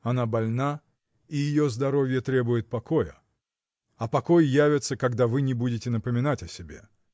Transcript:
Она больна — и ее здоровье требует покоя, а покой явится, когда вы не будете напоминать о себе.